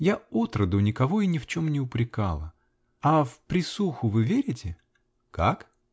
-- Я отроду никого и ни в чем не упрекала. А в присуху вы верите? -- Как?